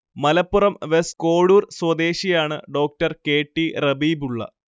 Malappuram west Kodur സ്വദേശിയാണ് Dr K T Rabeebulla